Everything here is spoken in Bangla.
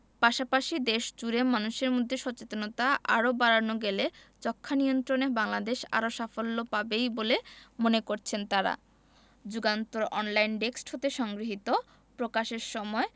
পাশাপাশি দেশজুড়ে মানুষের মধ্যে সচেতনতা আরও বাড়ানো গেলে যক্ষ্মানিয়ন্ত্রণে বাংলাদেশ আরও সাফল্য পাবেই বলে মনে করছেন তারা যুগান্তর অনলাইন ডেস্ক হতে সংগৃহীত প্রকাশের সময়